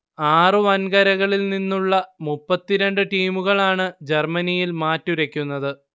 ആറു വൻകരകളിൽ നിന്നുള്ള മുപ്പത്തിരണ്ട് ടീമുകളാണ് ജർമ്മനിയിൽ മാറ്റുരയ്ക്കുന്നത്